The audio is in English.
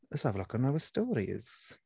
Let's have a look on our stories.